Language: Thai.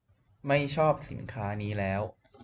ไม่ชอบสินค้านี้แล้ว